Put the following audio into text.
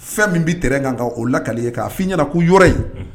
Fɛn min bɛ terrain kan k'o lakale i ye, k'a fɔ i ɲɛna ko yɔrɔ in